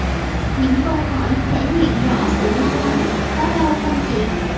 những câu hỏi thể hiện rõ sự lo lắng có đau không chị